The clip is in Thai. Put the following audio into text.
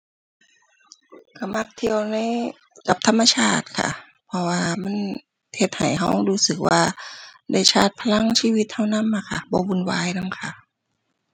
ก็มักเที่ยวใน กับธรรมชาติค่ะ เพราะว่ามันเฮ็ดให้ก็รู้สึกว่า ได้ชาร์จพลังชีวิตก็นำอะค่ะ บ่วุ่นวายนำค่ะ